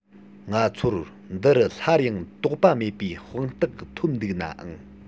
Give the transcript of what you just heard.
ང ཚོར འདི རུ སླར ཡང དོགས པ མེད པའི དཔང རྟགས ཐོབ འདུག ནའང